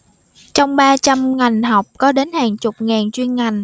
trong ba trăm ngành học có đến hàng chục ngàn chuyên ngành